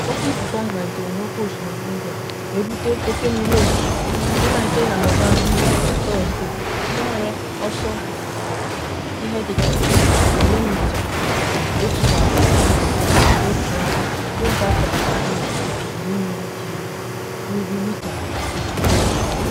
Oké ifufe ahụ malitere n'Oké Osimiri India wee bute oke mmiri ozuzo nke malitere na Mozambique na Tọzdee, nke nwere ọsọ ifufe ihe dịka kilomita 160 n'otu awa, bụ nke a kọpụtara na-ebute ebilimmiri dị elu ruru mita 9.